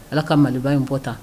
Ala ka mali in bɔta